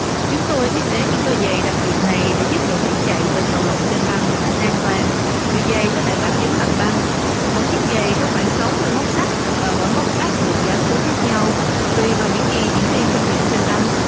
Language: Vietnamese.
chúng tôi thiết kế những đôi giầy đặc biệt này để giúp nghệ sĩ chạy và nhào lộn trên băng một cách an toàn vì giầy có thể bám dính mặt băng mỗi chiếc giầy có khoảng sáu mươi móc sắt và mỗi móc sắt được gắn hướng khác nhau tùy vào những gì diễn viên thực hiện trên băng